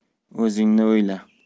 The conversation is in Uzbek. o'zingni o'yla